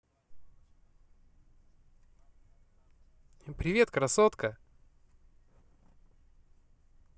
привет красотка